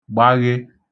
gbaghe